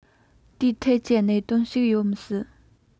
དེའི ཐད ཀྱི གནད དོན ཞིག ཡོད མི སྲིད